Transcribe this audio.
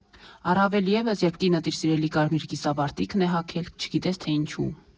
Առավելևս, երբ կինդ իր սիրելի կարմիր կիսավարտիքն է հագել՝ չգիտես թե ինչու։